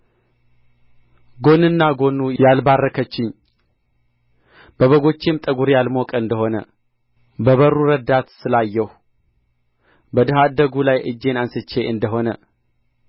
ጐንና ጐኑ ያልባረከችኝ በበጎቼም ጠጕር ያልሞቀ እንደ ሆነ በበሩ ረዳት ስላየሁ በድሀ አደጉ ላይ እጄን አንሥቼ እንደ ሆነ